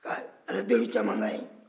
ka aladeeli caman k'a ye